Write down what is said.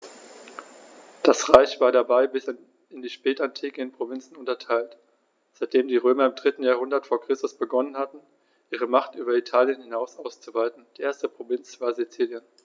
Das Reich war dabei bis in die Spätantike in Provinzen unterteilt, seitdem die Römer im 3. Jahrhundert vor Christus begonnen hatten, ihre Macht über Italien hinaus auszuweiten (die erste Provinz war Sizilien).